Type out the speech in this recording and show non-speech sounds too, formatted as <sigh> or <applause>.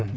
<hesitation> <hesitation>